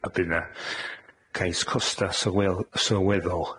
a by 'na cais costa' sylwel- sylweddol.